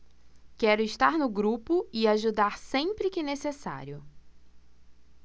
quero estar no grupo e ajudar sempre que necessário